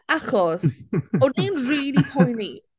Achos o'n i'n really poeni.